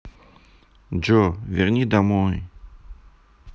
джой верни домой